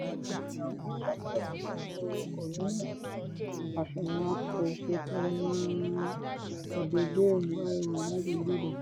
Báwo ni àwọn aṣàmúlò iPhone tí wọn kò ní àsùnwọ̀n App Store ṣe ti máa ẹ̀dà Géèmù iWarrior láti orílẹ̀-èdè Ghana?